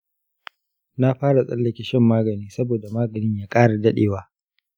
na fara tsallake shan magani saboda maganin ya ƙara daɗewa.